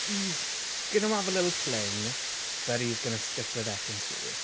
He's, going to have a little fling but he's going to stick with Ekin-Su.